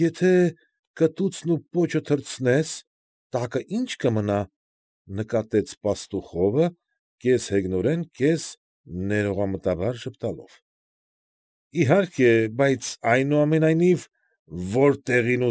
Եթե կտուցն ու պոչը թռցնես, տակը ի՞նչ կմնա,֊ նկատեց Պաստուխովը, կես֊հեգնորեն, կես֊ներողամտաբար ժպտալով։ ֊ Իհարկե, բայց, այնուամենայնիվ, որ տեղին։